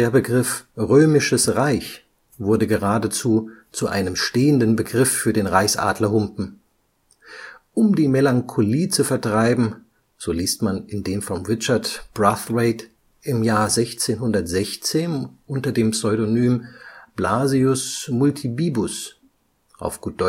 Begriff Römisches Reich wurde geradezu zu einem stehenden Begriff für den Reichsadlerhumpen. Um die Melancholie zu vertreiben, so liest man in dem von Richard Brathwaite (1588 – 1673) im Jahre 1616 unter dem Pseudonym „ Blasius Multibibus “(lat.